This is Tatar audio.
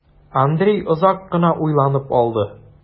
Андрей озак кына уйланып алды.